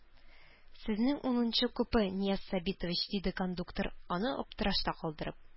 Сезнең унынчы купе, Нияз Сабитович, диде кондуктор, аны аптырашта калдырып.